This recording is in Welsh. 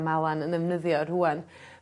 ...yma 'wan yn ddefnyddio rhŵan.